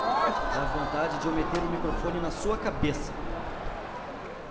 dá vontade de eu meter o microfone na sua cabeça